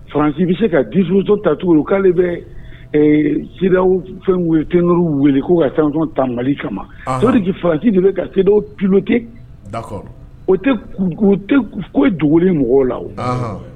Faransi bɛ se ka diso tacogo k'ale bɛ siraw fɛn t weele ko ka san ta mali kama so de faransi de bɛ ka se plote ko dugu mɔgɔw la o